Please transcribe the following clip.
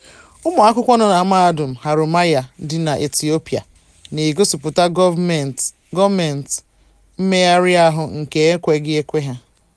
Ụmụakwụkwọ nọ na Mahadum Haromaya dị na Ethiopia na-egosipụta gọọmentị mmegharị ahụ nke ekweghị ekwe ha.